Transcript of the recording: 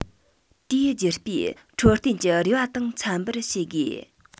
དེའི རྒྱུ སྤུས འཕྲོད བསྟེན གྱི རེ བ དང འཚམ པར བྱེད དགོས